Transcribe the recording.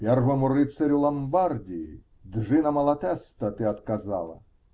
-- Первому рыцарю Ломбардии, Джино Малатеста, ты отказала.